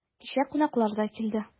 Кичә кунаклар да килде.